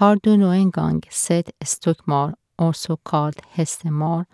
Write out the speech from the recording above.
Har du noen gang sett stokkmaur, også kalt hestemaur,